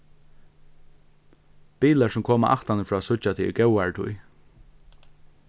bilar sum koma aftanífrá síggja teg í góðari tíð